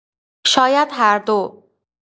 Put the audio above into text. شاید هر دو.